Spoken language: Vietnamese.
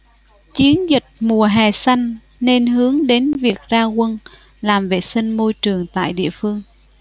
chiến dịch mùa hè xanh nên hướng đến việc ra quân làm vệ sinh môi trường tại địa phương